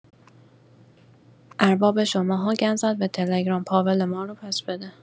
ارباب شماها گند زد به تلگرام پاول ما رو پس‌بده